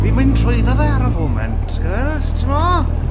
Fi'n mynd trwyddo fe ar y foment, girls, timod?